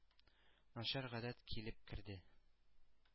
Начар гадәт килеп керде...